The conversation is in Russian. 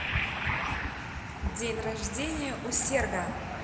день рождения у серго